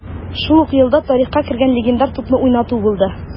Шул ук елда тарихка кергән легендар тупны уйнату булды: